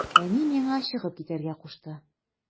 Әни миңа чыгып китәргә кушты.